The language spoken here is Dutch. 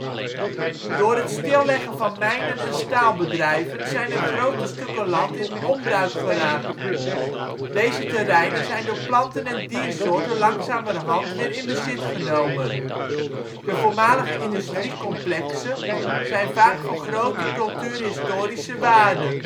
Door het stilleggen van mijnen en staalbedrijven zijn er grote stukken land in onbruik geraakt. Deze terreinen zijn door planten - en diersoorten langzamerhand weer in bezit genomen. De voormalige industriecomplexen zijn vaak van grote cultuurhistorische waarde